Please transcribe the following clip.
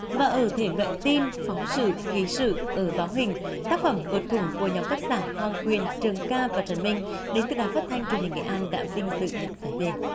và ở thể loại tin phóng sự ký sự ở báo hình tác phẩm vượt thủng của nhóm tác giả hoàng quyền trường ca và trần minh đến đài phát thanh truyền hình nghệ an đã vinh dự nhận giải bê